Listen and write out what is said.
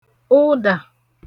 ụdà